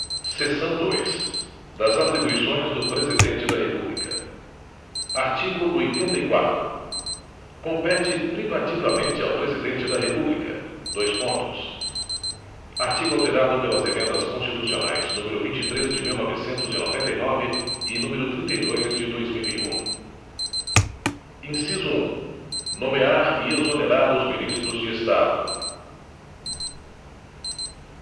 seção dois das atribuições do presidente da república artigo oitenta e quatro compete privativamente ao presidente da república dois pontos artigo alterado pelas emendas constitucionais número vinte e três de mil novecentos e noventa e nove e número trinta e dois de dois mil e um inciso um nomear e exonerar os ministros de estado